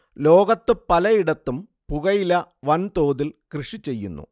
ലോകത്തു പലയിടത്തും പുകയില വൻതോതിൽ കൃഷി ചെയ്യുന്നു